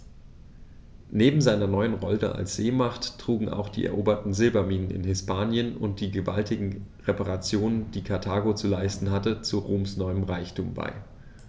Neben seiner neuen Rolle als Seemacht trugen auch die eroberten Silberminen in Hispanien und die gewaltigen Reparationen, die Karthago zu leisten hatte, zu Roms neuem Reichtum bei.